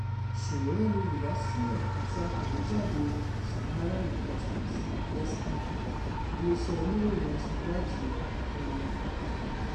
Sowore ni olùdásílẹ̀ àti atẹ̀wéjáde SaharaReporters (SR), ilé-iṣẹ́ oníròyìn aṣèwádìí orí-ayélujára.